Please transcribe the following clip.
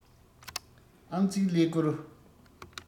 ཨང རྩིས ཀླད ཀོར